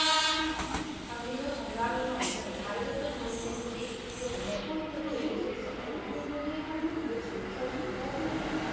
장윤호 정남이형 등 잘해줬던 동료들이 있기 때문에 포인트도 올릴 수 있었고 형들이 한골을 지켜주셔서 승리했다